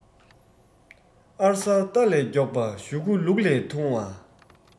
ཨ གསར རྟ ལས མགྱོགས པ ཞུ གུ ལུག ལས ཐུང བ